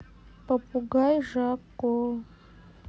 попугай жако